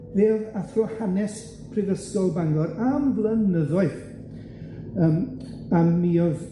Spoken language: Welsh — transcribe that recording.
Fe o'dd athro hanes prifysgol Bangor am flynyddoedd yym a mi o'dd